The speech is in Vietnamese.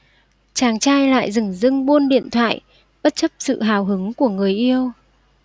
chàng trai lại dửng dưng buôn điện thoại bất chấp sự hào hứng của người yêu